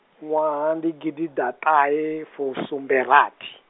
ṅwaha ndi gidiḓaṱahefusumberathi.